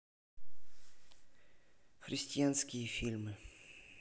христианские фильмы